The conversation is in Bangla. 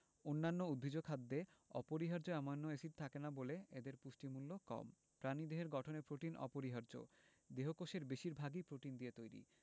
অন্যান্য উদ্ভিজ্জ খাদ্যে অপরিহার্য অ্যামাইনো এসিড থাকে না বলে এদের পুষ্টিমূল্য কম প্রাণীদেহের গঠনে প্রোটিন অপরিহার্য দেহকোষের বেশির ভাগই প্রোটিন দিয়ে তৈরি